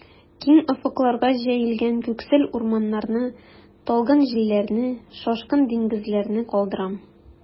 Киң офыкларга җәелгән күксел урманнарны, талгын җилләрне, шашкын диңгезләрне калдырам.